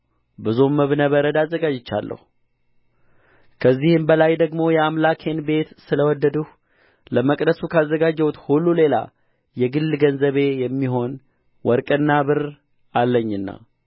ብዙም እብነ በረድ አዘጋጅቻለሁ ከዚህም በላይ ደግሞ የአምላኬን ቤት ስለወደድሁ ለመቅደሱ ካዘጋጀሁት ሁሉ ሌላ የግል ገንዘቤ የሚሆን ወርቅና ብር አለኝና